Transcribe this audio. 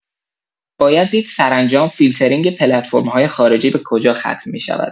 باید دید سرانجام فیلترینگ پلتفرم‌های خارجی به کجا ختم می‌شود.